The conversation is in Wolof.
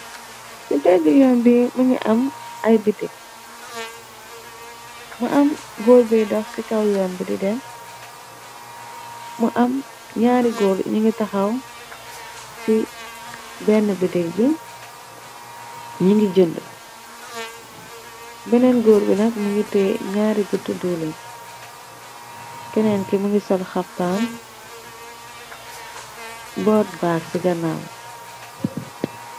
Ci tegg yoon bi mi ngi am ay bitik, mu am góor bi dox ci kaw yoon bi di dem, mu am ñaari góor ñi ngi taxaw ci bena bi dég bi ñi ngi jënd, beneen góor bi nag mu ngite ñaari gutt duulin keneen ki mingi sol xaftaam boort baag ci gannaaw.